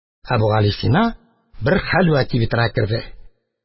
Әбүгалисина бер хәлвә кибетенә керде.